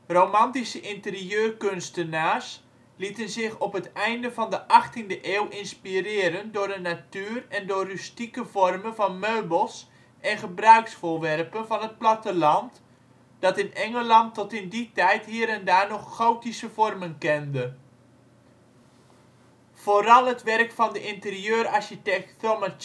Romantische interieurkunstenaars lieten zich op het einde van de 18e eeuw inspireren door de natuur en door rustieke vormen van meubels en gebruiksvoorwerpen van het platteland, dat in Engeland tot in die tijd hier en daar nog gotische vormen kende. Vooral het werk van de interieurarchitect Thomas Chippendale